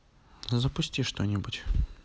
запусти что нибудь